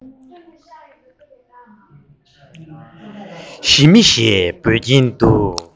ཞི མི ཞེས འབོད ཀྱིན འདུག